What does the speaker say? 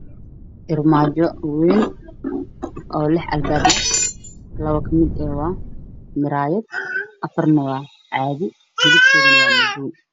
Waa armaajo midabkeedu yahay madow iyo dhalo